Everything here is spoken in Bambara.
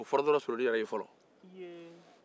o fɔra dɔrɔn solonin yɛrɛ y'i bin